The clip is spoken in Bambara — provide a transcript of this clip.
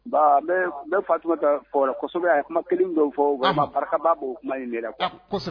Bon ne fa tun ka kosɛbɛ a ye kuma kelen dɔw fɔ barikaba'o kuma ɲini ne la